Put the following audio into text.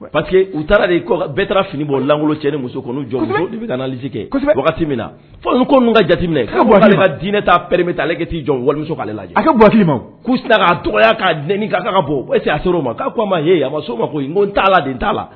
Pa que u taara bɛɛ taara fini bɔlangolo cɛ ni muso jɔnji wagati ka jateminɛ dinɛ taaa pɛ bɛ taa ale t'i jɔ walimuso'ale lajɛ a ga ma dɔgɔ' bɔ a o ma k'' a ma a n t'a la t'a la